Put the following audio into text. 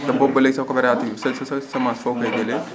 te boobu ba léegi sa coopérative sa sa sa semence foo koy jëlee